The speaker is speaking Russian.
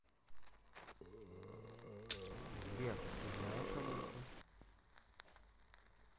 сбер ты знаешь алису